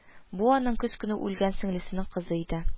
Бу – аның көз көне үлгән сеңлесенең кызы иде